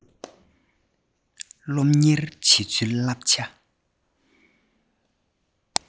སློབ གཉེར བྱེད ཚུལ བསླབ བྱ